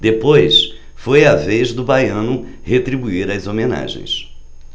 depois foi a vez do baiano retribuir as homenagens